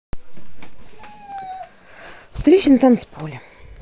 встречи на танцполе